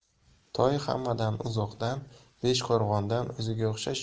toy hammadan uzoqdan beshqo'rg'ondan o'ziga o'xshash